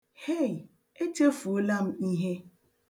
Hei! echefuola m ihe.